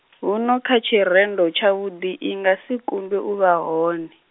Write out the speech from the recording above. huno kha tshirendo tshavhuḓi i nga si kundwe u vha hone.